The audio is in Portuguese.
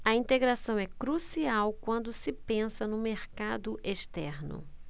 a integração é crucial quando se pensa no mercado externo